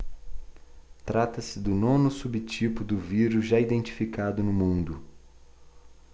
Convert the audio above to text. trata-se do nono subtipo do vírus já identificado no mundo